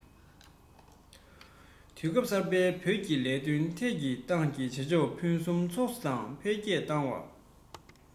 དུས སྐབས གསར པའི བོད ཀྱི ལས དོན ཐད ཀྱི ཏང གི བྱེད ཕྱོགས ཕུན སུམ ཚོགས སུ དང འཕེལ རྒྱས བཏང བ